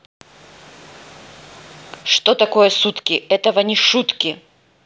что такое сутки этого не шутки